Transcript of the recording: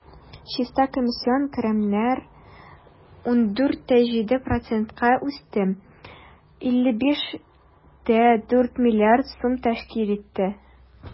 Чиста комиссион керемнәр 14,7 %-ка үсте, 55,4 млрд сум тәшкил итте.